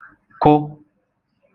kụ